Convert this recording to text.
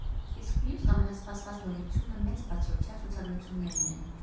Իսկ մյուս ամենասպասված նորությունը մեծ բացօթյա ցուցադրություններն են։